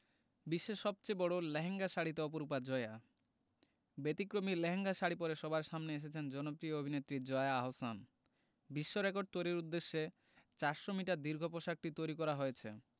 বিশ্বের সবচেয়ে বড় লেহেঙ্গা শাড়িতে অপরূপা জয়া ব্যতিক্রমী লেহেঙ্গা শাড়ি পরে সবার সামনে এসেছেন জনপ্রিয় অভিনেত্রী জয়া আহসান বিশ্বরেকর্ড তৈরির উদ্দেশ্যে ৪০০ মিটার দীর্ঘ পোশাকটি তৈরি করা হয়েছে